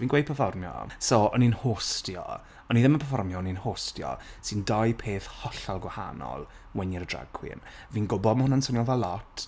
Fi'n gweud perfformio, so o'n i'n hostio, o'n i ddim yn perfformio, o'n i'n hostio sy'n dau peth hollol gwahanol when you're a drag queen fi'n gwybod ma' hwnna'n swnio fel lot